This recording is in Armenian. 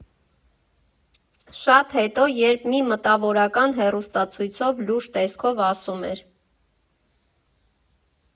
Շատ հետո, երբ մի մտավորական հեռուստացույցով լուրջ տեսքով ասում էր.